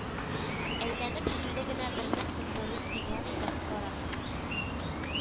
Әйләнеп җилле генә берне кундырыйм дигән иде, караса